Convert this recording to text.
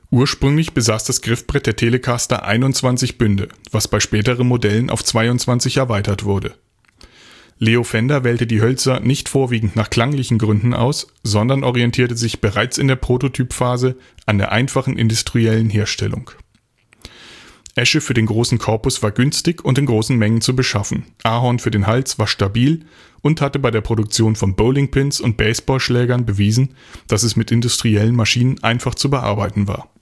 Ursprünglich besaß das Griffbrett der Telecaster 21 Bünde, was bei späteren Modellen auf 22 erweitert wurde. Leo Fender wählte die Hölzer nicht vorwiegend nach klanglichen Gründen aus, sondern orientierte sich bereits in der Prototypphase an der einfachen industriellen Herstellung. Esche für den großen Korpus war günstig und in großen Mengen zu beschaffen, Ahorn für den Hals war stabil und hatte bei der Produktion von Bowlingpins und Baseballschlägern bewiesen, dass es mit industriellen Maschinen einfach zu bearbeiten war